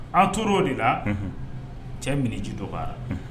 An tora o de la cɛ min ji dɔ' la